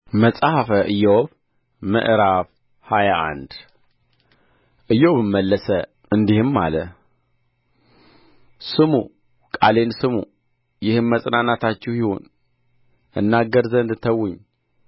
መጽሐፈ ኢዮብ ምዕራፍ ሃያ አንድ ኢዮብም መለሰ እንዲህም አለ ስሙ ቃሌን ስሙ ይህም መጽናናታችሁ ይሁን እናገር ዘንድ ተዉኝ